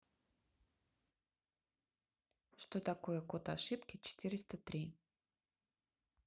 что такое код ошибки четыреста три